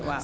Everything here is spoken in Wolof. waaw